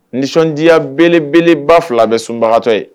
Nisɔndiyaya belebeleba fila bɛ sunbagatɔ ye